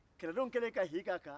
kɛlɛdenw kɛlen ka hi k'a kan